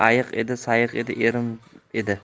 ayiq edi sayiq edi erim edi